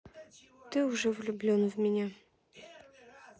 ты уже влюблен в меня